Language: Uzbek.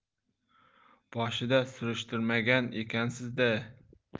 boshida surishtirmagan ekansiz da